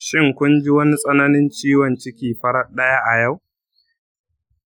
shin kun ji wani tsananin ciwon ciki farat ɗaya a yau?